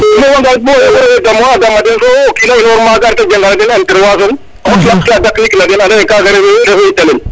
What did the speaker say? nu moga ngfa i bo prefet a dama den so o kina inor mana a gara janga na den intervention o xotlak ka dak nik na den anda ye kaga refe calel